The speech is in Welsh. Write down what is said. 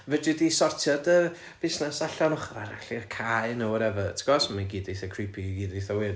fedri di sortio dy busnes allan ochr arall i'r cae neu whatever ti gwbod so mae gyd eitha creepy i gyd eitha weird